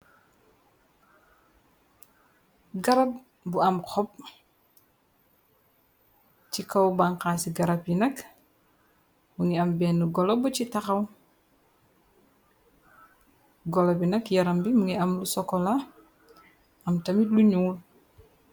Garab bu am xob, ci kaw banxaay ci garab yi nakk, mungi am benn golo bu ci taxaw. Golo bi nak yaram bi mungi am lu sokola ,am tamit lu ñuul.